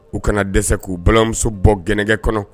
U kana dɛsɛ k'u balimamuso bɔ ggɛ kɔnɔ